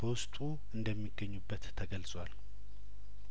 በውስጡ እንደሚገኙበት ተገልጿል